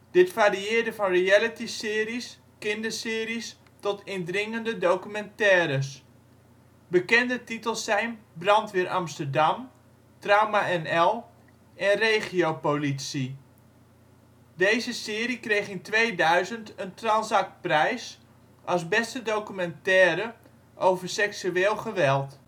Dit varieerde van realityseries, kinderseries tot indringende documentaires. Bekende titels zijn Brandweer Amsterdam (SBS 6), Trauma NL (Net 5) en Regiopolitie (SBS 6). Deze serie kreeg in 2000 de Transactprijs als beste documentaire over seksueel geweld